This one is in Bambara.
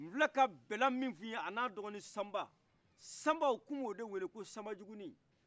nfilɛ ka bɛlan min fiye an' a dɔgɔni sanba sanba u tun b'o de wele ko sanba juguni